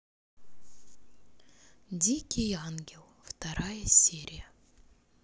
дикий ангел вторая серия